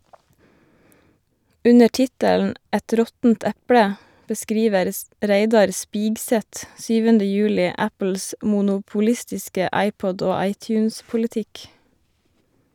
Under tittelen "Et råttent eple" beskriver Reidar Spigseth 7. juli Apples monopolistiske iPod- og iTunes-politikk.